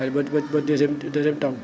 bàyyil ba ba ba deuxième deuxième taw